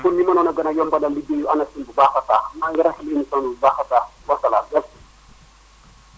pour ñu mënoon a gën a yombal liggéeyu ANACIM bi bu baax a baax maa ngi rafetlu émission bi bu baax a baax wasalaam merci